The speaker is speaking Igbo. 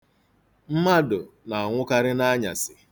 Mmadụ na-anwụkarị n'anyasị.